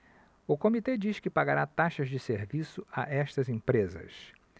o comitê diz que pagará taxas de serviço a estas empresas